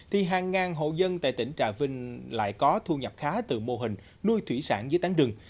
thì hàng ngàn hộ dân tại tỉnh trà vinh lại có thu nhập khá từ mô hình nuôi thủy sản dưới tán rừng